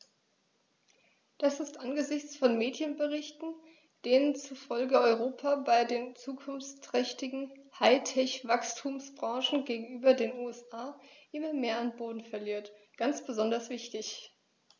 Das ist angesichts von Medienberichten, denen zufolge Europa bei den zukunftsträchtigen High-Tech-Wachstumsbranchen gegenüber den USA immer mehr an Boden verliert, ganz besonders wichtig.